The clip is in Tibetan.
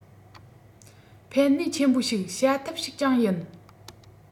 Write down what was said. ཕན ནུས ཆེན པོ ཞིག བྱ ཐབས ཤིག ཀྱང ཡིན